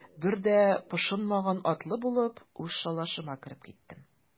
Бер дә пошынмаган атлы булып, үз шалашыма кереп киттем.